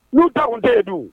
Nu denw den dun